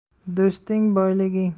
do'sting boyliging